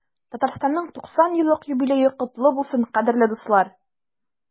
Татарстанның 90 еллык юбилее котлы булсын, кадерле дуслар!